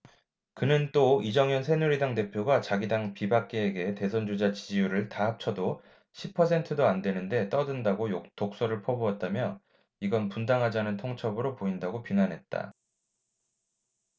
그는 또 이정현 새누리당 대표가 자기 당 비박계에게 대선주자 지지율을 다 합쳐도 십 퍼센트도 안 되는데 떠든다고 독설을 퍼부었다며 이건 분당하자는 통첩으로 보인다고 비난했다